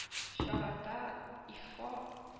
Чарада ИФО